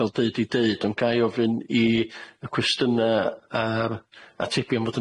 ga'l deud 'u deud ond ga'i ofyn i y cwestiyna a'r atebion fod